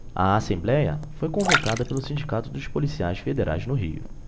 a assembléia foi convocada pelo sindicato dos policiais federais no rio